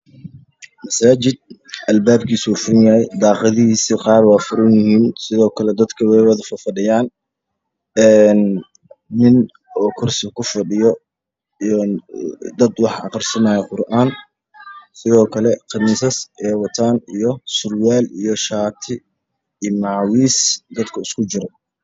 Waa masaajid fadhiyaan niman fara badan ay wataan qamiisyo iyo cimaamado